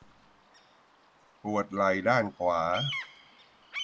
ปวดไหล่ด้านขวา